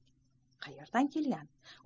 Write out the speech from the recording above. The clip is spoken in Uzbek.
qayerdan kelgan